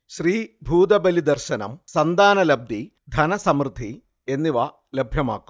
ശ്രീഭൂതബലി ദർശനം സന്താനലബ്ധി, ധനസമൃദ്ധി എന്നിവ ലഭ്യമാക്കുന്നു